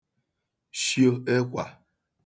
shio ekwa